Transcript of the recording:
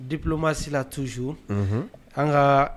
Diplomatie la toujours , unhun, an ka